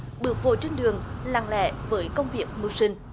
bước vội trên đường lặng lẽ với công việc mưu sinh